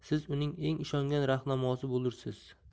o'tsa siz uning eng ishongan rahnamosi bo'lursiz